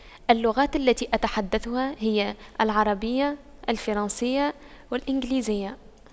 اللغات التي أتحدثها هي العربية الفرنسية والإنجليزية